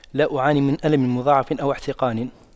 لا أعاني من ألم مضاعف أو احتقان